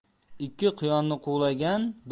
ikki quyonni quvlagan